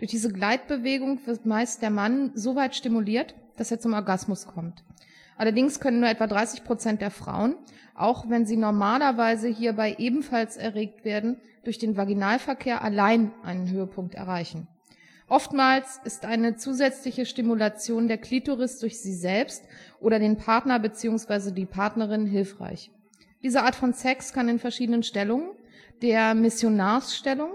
diese Gleitbewegung wird meist der Mann soweit stimuliert, dass er zum Orgasmus kommt; allerdings können nur etwa 30% der Frauen, auch wenn sie normalerweise hierbei ebenfalls erregt werden, durch den Vaginalverkehr allein einen Höhepunkt erreichen. Oftmals ist eine zusätzliche Stimulation der Klitoris durch sie selbst oder den Partner bzw. die Partnerin hilfreich. Diese Art von Sex kann in verschiedenen Stellungen - der „ Missionarsstellung